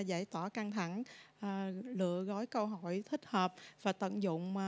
giải tỏa căng thẳng lựa gói câu hỏi thích hợp và tận dụng